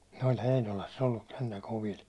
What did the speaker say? ne oli Heinolassa ollut sentään kovilla